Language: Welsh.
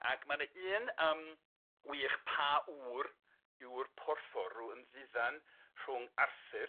Ag ma' 'na un yym wych pa ŵr yw'r porthwr rw ymddiddan rhwng Arthur